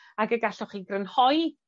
Ag y gallwch chi grynhoi